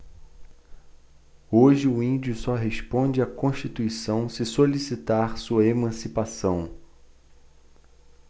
hoje o índio só responde à constituição se solicitar sua emancipação